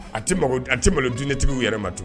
A tɛ a tɛ malottigi yɛrɛ ma tugun